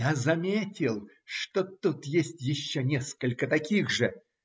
Я заметил, что тут есть еще несколько таких же.